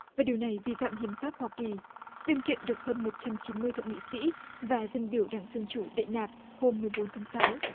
và điều này vi phạm hiến pháp hoa kỳ đơn kiện được hơn một trăm chín mươi thượng nghị sĩ và dân biểu đảng dân chủ đệ nạp hôm mười bốn tháng sáu